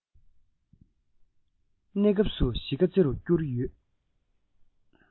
གནས སྐབས སུ གཞིས ཀ རྩེ རུ བསྐྱུར ཡོད